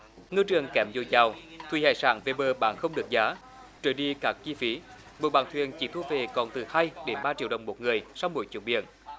ngư trường kém dồi dào thủy hải sản vào bờ bán không được giá trừ đi các chi phí mỗi bạn thuyền chỉ thu về còn từ hai đến ba triệu đồng một người sau mỗi chuyển biển